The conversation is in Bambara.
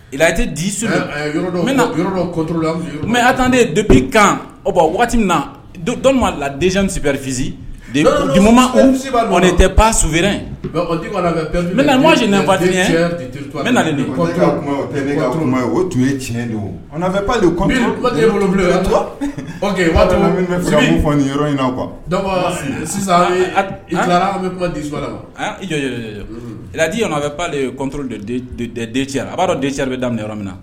Di mɛ a tanden dobi kan o bon waati min na dɔ ladsirifisi de tɛ pa suysi o tun tiɲɛ sisan lajiale cɛ a b'a dɔn den cɛ bɛ daminɛ yɔrɔ minna na